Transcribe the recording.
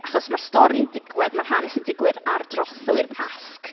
Achos ma'r stori yn digwydd... ma'r hanes yn digwydd ar drothwy'r Pasg.